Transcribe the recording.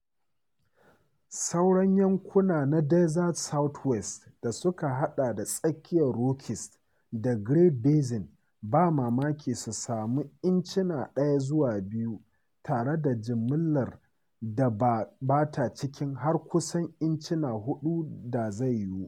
Sauran yankunan na Desert Southwest da suka hada da tsakiyar Rockies da Great Basin ba mamaki su sami incina 1 zuwa 2 tare da jimillar da ba ta ciki har kusan incina 4 da zai yiwu.